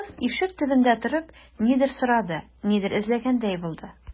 Кыз, ишек төбендә торып, нидер сорады, нидер эзләгәндәй булды.